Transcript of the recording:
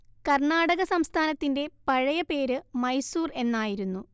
കർണാടക സംസ്ഥാനത്തിന്റെ പഴയ പേര് മൈസൂർ എന്നായിരുന്നു